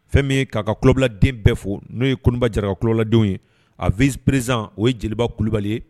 Fɛn min ye k'a ka kubiladen bɛɛ fo n'o ye kunba jara kuladenw ye a vizperesiz o ye jeliba kulubali ye